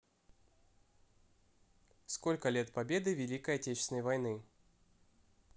сколько лет победы великой отечественной войны